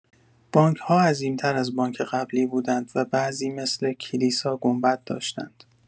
بانک‌ها عظیم‌تر از بانک قبلی بودند و بعضی مثل کلیسا گنبد داشتند.